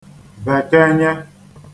bèkenyē